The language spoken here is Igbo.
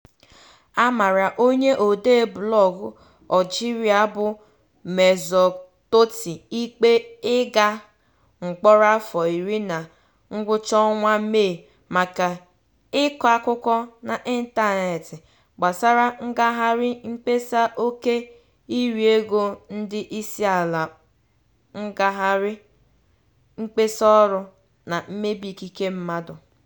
A mara onye odee blọọgụ Algerịa bụ Merzoug Touati ikpe ịga mkpọrọ afọ iri na ngwụcha ọnwa Mee maka ịkọ akụkọ n'ịntanetị gbasara ngagharị mkpesa oke iriego ndị isiala, ngagharị mkpesa ọrụ, na mmebi ikike mmadụ.